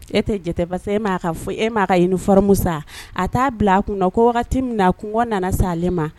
E tɛ jate parce que e m'a ka uniforme san wa a t'a bila a kun na ko wagati min na kɔngɔ nana s'a ale ma.